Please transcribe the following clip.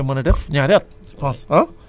ñu bëri xamaguñ ko